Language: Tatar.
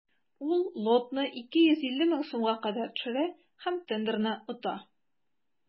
Ул лотны 250 мең сумга кадәр төшерә һәм тендерны ота.